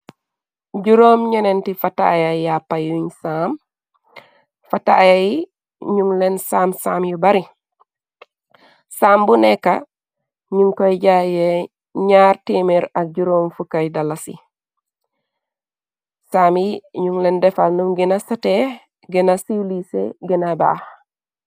juróom ñeneenti fataayay yàppa yuñ saam fataaya yi ñu leen saam saam yu bari saam bu nekka ñuñ koy jaayee ñaar tmer ak juróom fukkay dala si saami ñum leen defalnu gina satee gëna siiw liise gëna baax